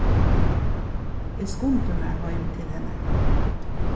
eg skundi mær heim til hennara